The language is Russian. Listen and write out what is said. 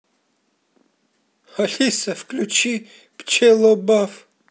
алиса включи пчелобав